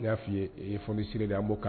N y'a fɔi ye fonisi siri de an b'